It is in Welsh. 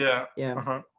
Ie... Ie. ...M-hm.